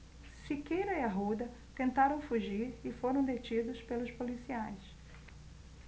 siqueira e arruda tentaram fugir e foram detidos pelos policiais